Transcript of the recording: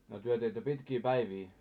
no te teitte pitkiä päiviä